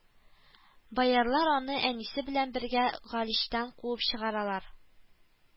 Боярлар аны әнисе белән бергә Галичтан куып чыгаралар